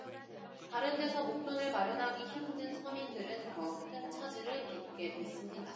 다른 데서 목돈을 마련하기 힘든 서민들이 더 큰 차질을 빚게 됐습니다